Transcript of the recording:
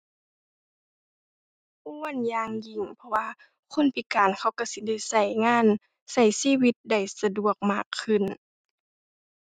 ควรอย่างยิ่ง เพราะว่าคนพิการเขาก็สิได้ก็งาน ก็ชีวิตได้สะดวกมากขึ้น